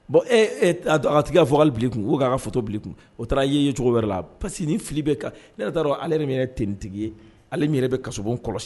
Bon etigi ka f bi kun k ko' ka fɔto bilen kun o taara' ye cogo wɛrɛ la parce que ni fili bɛ kan ne taara ale yɛrɛ min yɛrɛ ttigi ye ale ɲɛ yɛrɛ bɛ kasa kɔlɔsi